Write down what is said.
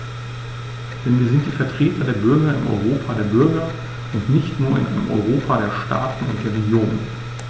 Denn wir sind die Vertreter der Bürger im Europa der Bürger und nicht nur in einem Europa der Staaten und der Regionen.